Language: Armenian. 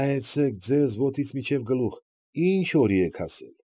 Նայեցեք ձեզ ոտքից մինչև գլուխ, ինչ օրի եք հասել։